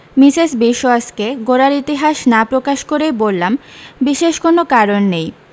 Mrs বিশোয়াসকে গোড়ার ইতিহাস না প্রকাশ করেই বললাম বিশেষ কোনো কারণ নেই